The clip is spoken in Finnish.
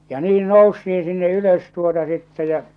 ja niin noustiin sinne ylös tuota sitten ja